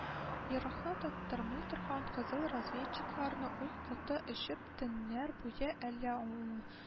Йорыкны тоттырмый торган кызыл разведчикларны ул, коты очып, төннәр буе, әлә уң